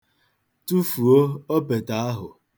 Tụfuo opete ahụ.